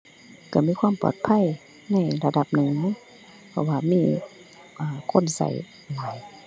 ก็มีความปลอดภัยในระดับหนึ่งมั้ง เพราะว่า มี เออ คนก็หลาย